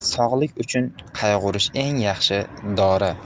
sog'lik uchun qayg'urish eng yaxshi dori